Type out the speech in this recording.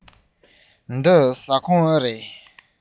འདི ཟ ཁང རེད པས